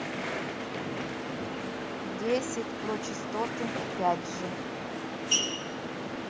десять про частоты пять же